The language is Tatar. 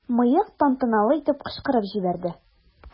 "мыек" тантаналы итеп кычкырып җибәрде.